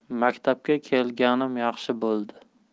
maktabga kelganim yaxshi bo'ldi